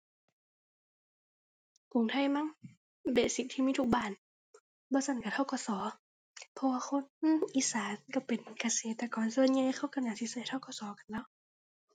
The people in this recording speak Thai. กรุงไทยมั้ง เบสิกที่มีทุกบ้าน บ่ซั้นก็ ธ.ก.ส. เพราะว่าคน อีสานก็เป็นเกษตรกร ส่วนใหญ่เขาก็น่าสิก็ ธ.ก.ส. กันเนาะ